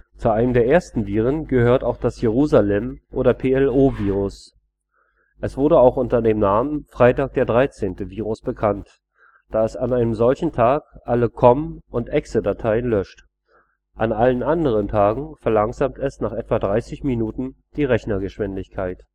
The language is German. Zu einem der ersten Viren gehört auch das Jerusalem - oder PLO-Virus. Es wurde auch unter dem Namen Freitag-der-13.-Virus bekannt, da es an einem solchen Tag alle COM - und EXE-Dateien löscht. An allen anderen Tagen verlangsamt es nach etwa 30 Minuten die Rechnergeschwindigkeit